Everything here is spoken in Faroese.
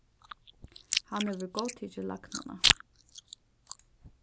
hann hevur góðtikið lagnuna